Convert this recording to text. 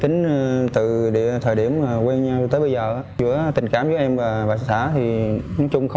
tính từ thời điểm quen nhau tới bây giờ á giữa tình cảm giữa em và bà xã nói chung không